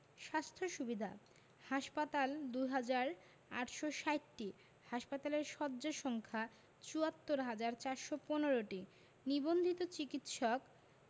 স্বাস্থ্য সুবিধাঃ হাসপাতাল ২হাজার ৮৬০টি হাসপাতালের শয্যা সংখ্যা ৭৪হাজার ৪১৫টি নিবন্ধিত চিকিৎসক